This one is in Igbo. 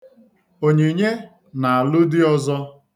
Onyinye na-alụ di ọzọ.